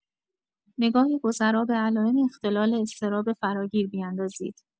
نگاهی گذرا به علائم اختلال اضطراب فراگیر بیندازید.